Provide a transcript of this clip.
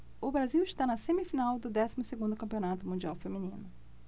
o brasil está na semifinal do décimo segundo campeonato mundial feminino